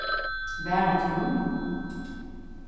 varðatún